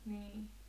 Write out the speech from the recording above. niin